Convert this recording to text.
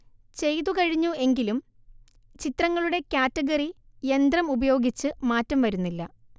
ചെയ്തു കഴിഞ്ഞു എങ്കിലും ചിത്രങ്ങളുടെ കാറ്റഗറി യന്ത്രം ഉപയോഗിച്ച് മാറ്റം വരുന്നില്ല